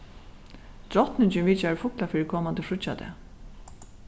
drotningin vitjar í fuglafirði komandi fríggjadag